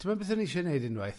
Ti'mod beth o'n i isie neud unwaith?